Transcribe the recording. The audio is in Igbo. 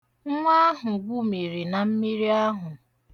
Nwa ahụ gwumiri na mmiri ahụ.